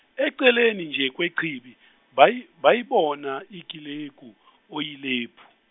eceleni nje kwechibi bayi- bayibona Ikileku Oyilepu.